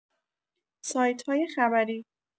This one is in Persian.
سایت‌های خبری